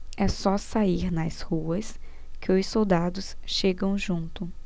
é só sair nas ruas que os soldados chegam junto